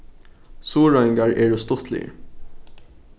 suðuroyingar eru stuttligir